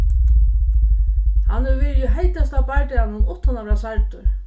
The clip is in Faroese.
hann hevur verið í heitasta bardaganum uttan at vera særdur